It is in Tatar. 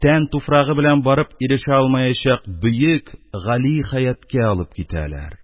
Тән туфрагы белән барып ирешә алмаячак бөек, гали хәятка алып китәләр.